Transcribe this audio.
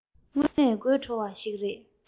དངོས གནས དགོད བྲོ བ ཞིག རེད